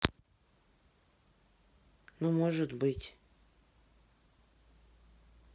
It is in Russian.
ну может быть